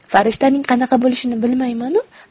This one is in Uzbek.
farishtaning qanaqa bo'lishini bilmaymanu